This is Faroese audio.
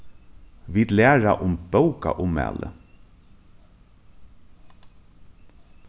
vit læra um bókaummæli